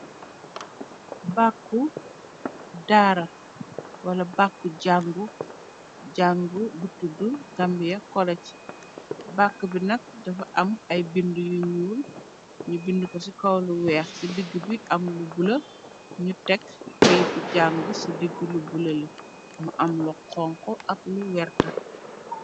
Bàkku daara, wala bàkku jàng. Jàng bu tudd Gambia college. Bàkk bi nag dafa am ay bindi yu ñuul, ñu bindi ko ci kawa lu weeh ci digg bi am lu bula ñu tekk këyitu jàng ci digg lu bula le mu am lo honko ak lu verta.